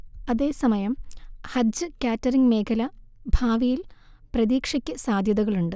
അതേസമയം ഹജജ് കാറ്ററിംഗ് മേഖല ഭാവിയിൽ പ്രതീക്ഷക്ക് സാധ്യതകളുണ്ട്